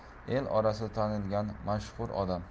tog'asi el orasida tanilgan mashhur odam